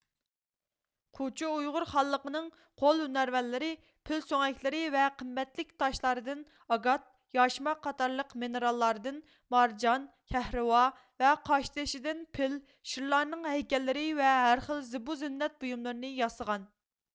قوچۇ ئۇيغۇر خانلىقىنىڭ قول ھۈنەرۋەنلىرى پىل سۆڭەكلىرى ۋە قىممەتلىك تاشلاردىن ئاگات ياشما قاتارلىق مىنېراللاردىن مارجان كەھرىۋا ۋە قاشتېشىدىن پىل شىرلارنىڭ ھەيكەللىرى ۋە ھەرخىل زىبۇ زىننەت بۇيۇملىرىنى ياسىغان